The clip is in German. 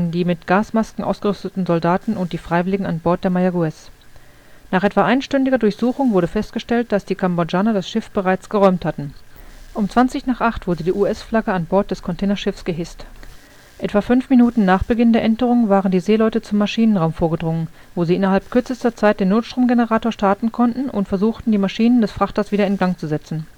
die mit Gasmasken ausgerüsteten Soldaten und die Freiwilligen an Bord der Mayaguez. Nach etwa einstündiger Durchsuchung wurde festgestellt, dass die Kambodschaner das Schiff bereits geräumt hatten. Um zwanzig nach acht wurde die US-Flagge an Bord des Containerschiffs gehisst. Etwa fünf Minuten nach Beginn der Enterung waren die Seeleute zum Maschinenraum vorgedrungen, wo sie innerhalb kürzester Zeit den Notstromgenerator starten konnten und versuchten, die Maschinen des Frachters wieder in Gang zu setzen